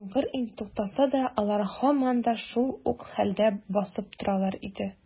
Яңгыр инде туктаса да, алар һаман да шул ук хәлдә басып торалар иде.